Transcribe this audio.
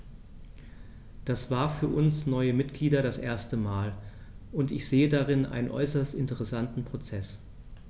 Das war für uns neue Mitglieder das erste Mal, und ich sehe darin einen äußerst interessanten Prozess.